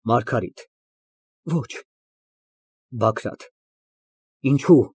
ՄԱՐԳԱՐԻՏ ֊ Ոչ։ ԲԱԳՐԱՏ ֊ Ինչո՞ւ։